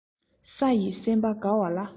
ས ཡིས སེམས པ དགའ བ ལ